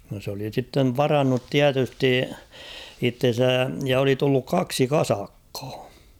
no se oli sitten varannut tietysti itsensä ja oli tullut kaksi kasakkaa